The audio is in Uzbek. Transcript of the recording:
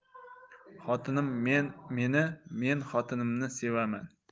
xotinim meni men xotinimni sevaman